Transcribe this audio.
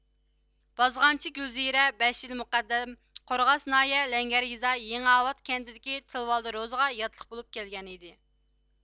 بازغانچى گۈلزىرە بەش يىل مۇقەددەم قورغاس ناھىيە لەڭگەر يېزا يېڭىئاۋات كەنتىدىكى تىلىۋالدى روزىغا ياتلىق بولۇپ كەلگەنىدى